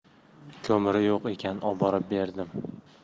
ko'miri yo'q ekan oborib berdim